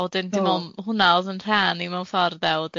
A wedyn dim on- hwnna o'dd yn rha ni mewn ffor de, wedyn ia